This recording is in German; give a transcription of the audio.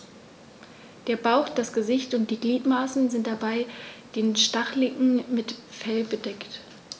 Der Bauch, das Gesicht und die Gliedmaßen sind bei den Stacheligeln mit Fell bedeckt.